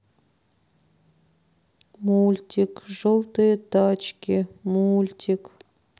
мультик желтые тачки мультик